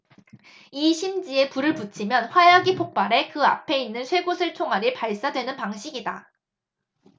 이 심지에 불을 붙이면 화약이 폭발해 그 앞에 있는 쇠구슬 총알이 발사되는 방식이다